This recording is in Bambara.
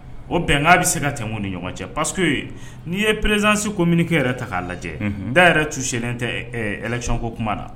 O bɛn k'a bɛ se ka tɛmɛkun ni ɲɔgɔn cɛ paseke ye n'i ye perezsiko mini kɛ yɛrɛ ta k'a lajɛ da yɛrɛ tu selenlen tɛ conko kuma na